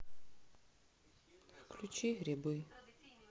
включи грибы